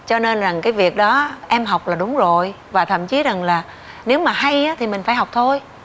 cho nên rằng cái việc đó em học là đúng rồi và thậm chí rằng là nếu mà hay á thì mình phải học thôi